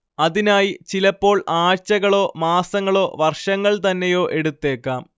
അതിനായി ചിലപ്പോൾ ആഴ്ചകളോ മാസങ്ങളോ വർഷങ്ങൾ തന്നെയോ എടുത്തേക്കാം